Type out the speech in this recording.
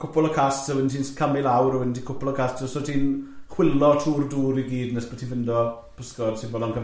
cwpl o casts so wedyn ti'n camu lawr, wedyn ti'n cwpl o cast, so ti'n chwilo trwy'r dŵr i gyd nes bo' ti'n ffindo pysgod sy'n bodo'n cymryd.